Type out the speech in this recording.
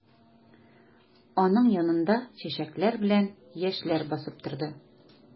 Аның янында чәчәкләр белән яшьләр басып торды.